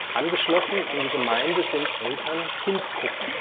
Angeschlossen an die Gemeinde sind Eltern-Kind-Gruppen